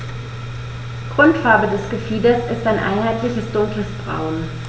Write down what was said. Grundfarbe des Gefieders ist ein einheitliches dunkles Braun.